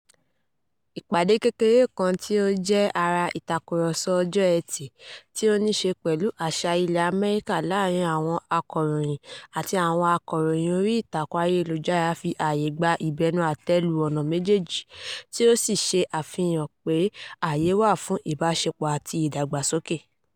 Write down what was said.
Ìpàdé kékeré kan tí ó jẹ́ ara "ìtakùrọsọ ọjọ́ ẹ̀tì" tí ó ní ṣe pẹ̀lú àṣà ilẹ̀ Amẹ́ríkà láàárín àwọn akọ̀ròyìn àti àwọn akọ̀ròyìn orí ìtàkùn ayélujára fi ààyè gbà ìbẹnu àtẹ́ lu ọ̀nà méjèèjì tí ó sì ṣe àfihàn pé ààyè wà fún ìbáṣepọ̀ àti ìdàgbàsókè.